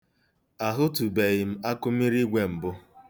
Ahụtụbeghị m akụmirigwe mbụ.